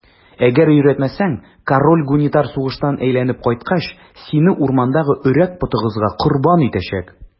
Әгәр өйрәтмәсәң, король Гунитар сугыштан әйләнеп кайткач, сине урмандагы Өрәк потыгызга корбан итәчәк.